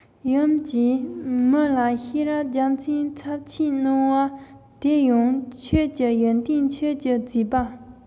ཡུམ གྱིས མི ལ ཤེས རབ རྒྱལ མཚན ཚབས ཆེན གནང བ དེ ཡང ཁྱོད ཀྱི ཡོན ཏན ཁྱོད ཀྱི བྱས པ